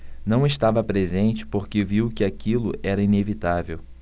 não estava presente porque viu que aquilo era inevitável